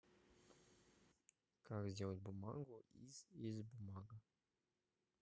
как сделать бумагу из из бумага